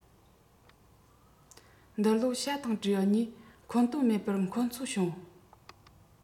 འདི ལོ བྱ དང སྤྲེའུ གཉིས འཁོན དོན མེད པར འཁོན རྩོད བྱུང